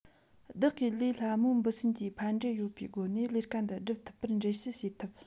བདག གིས ལས སླ མོས འབུ སྲིན གྱིས ཕན འབྲས ཡོད པའི སྒོ ནས ལས ཀ འདི བསྒྲུབ ཐུབ པར འགྲེལ བཤད བྱེད ཐུབ